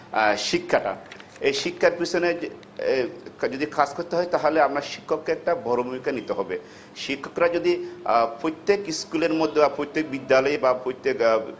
শিক্ষাটা এই শিক্ষার পেছনে যদি কাজ করতে হয় তাহলে আমরা শিক্ষকের একটি বড় ভূমিকা নিতে হবে শিক্ষকের যদি প্রত্যেক স্কুলের মতো কিংবা প্রত্যেক বিদ্যালয় মত বা প্রত্যেক